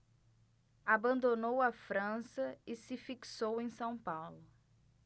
abandonou a frança e se fixou em são paulo